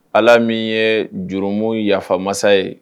Ala min ye jurumo yafamasa ye